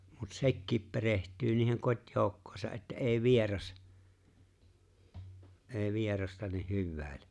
mutta sekin perehtyy niihin kotijoukkoihinsa että ei vieras ei vierasta niin hyväile